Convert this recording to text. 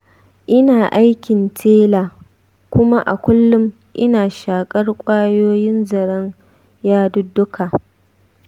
ina aikin tela kuma a kullum ina shaƙar ƙwayoyin zaren yadudduka.